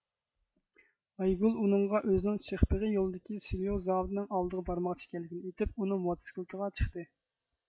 ئايگۈل ئۇنىڭغا ئۆزىنىڭ شېخبېغى يولىدىكى سۇلياۋ زاۋۇتىنىڭ ئالدىغا بارماقچى ئىكەنلىكىنى ئېيتىپ ئۇنىڭ موتسىكلىتىغا چىقتى